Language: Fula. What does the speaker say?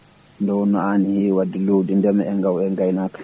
nde wonno an hewi wadde lowdi ndeema e gaynaka